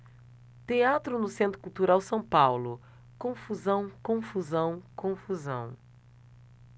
teatro no centro cultural são paulo confusão confusão confusão